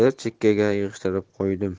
bir chekkaga yig'ishtirib qo'ydim